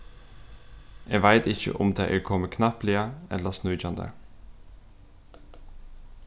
eg veit ikki um tað er komið knappliga ella sníkjandi